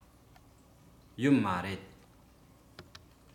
ཡོད མ རེད